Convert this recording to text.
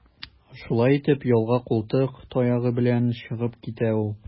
Шулай итеп, ялга култык таягы белән чыгып китә ул.